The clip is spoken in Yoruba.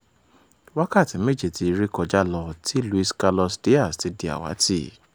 Wákàtí méje ti ré kọjá lọ tí Luis Carlos Díaz ti di àwátì.